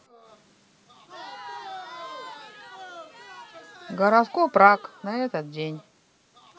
гороскоп рак на этот день